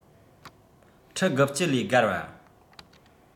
ཁྲི ༩༠ ལས བརྒལ བ